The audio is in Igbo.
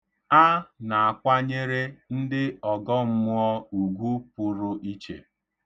A na-akwanyere ndị ọgọmmụọ ugwu pụrụ iche.